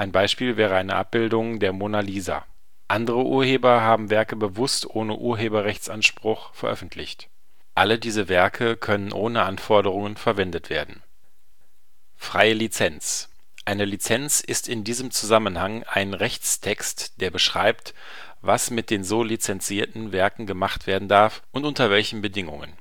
Beispiel wäre eine Abbildung der Mona Lisa. Andere Urheber haben Werke bewusst ohne Urheberrechtsanspruch veröffentlicht. Alle diese Werke können ohne Anforderungen verwendet werden. Freie Lizenz: Eine Lizenz ist in diesem Zusammenhang ein Rechtstext, der beschreibt, was mit den so lizenzierten Werken gemacht werden darf und unter welchen Bedingungen